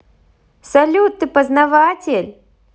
салют ты познаватель